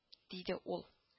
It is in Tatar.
— диде ул